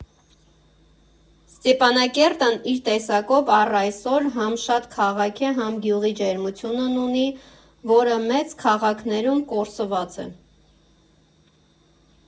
Ստեփանակերտն իր տեսակով առ այսօր հա՛մ շատ քաղաք է, հա՛մ գյուղի ջերմությունն ունի, որը մեծ քաղաքներում կորսված է.